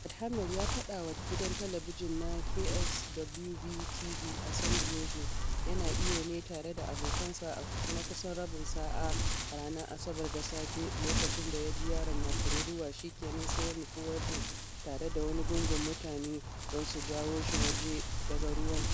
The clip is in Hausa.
Chad Hammel ya fada wa gidan talabijin na KSWB-TV a San Diego yana iyo ne tare da abokansa na kusan rabin sa’a a ranar Asabar da safe a lokacin da ya ji yaron yana kururuwa shikenan sai ya nufi wurin tare da wani gungun mutane don su jawo shi waje daga ruwan.